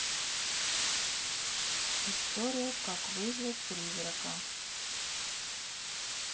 история как вызвать призрака